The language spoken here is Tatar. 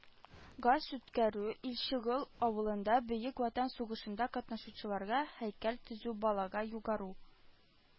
Газ үткәрү, илчегол авылында бөек ватан сугышында катнашучыларга һәйкәл төзү, балага югары